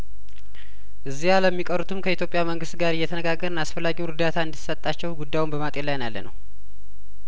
እዚያለሚ ቀሩትም ከኢትዮጵያ መንግስት ጋር እየተነጋገርን አስፈላጊውን እርዳታ እንዲሰጣቸው ጉዳዩን በማጤን ላይ ነው ያለነው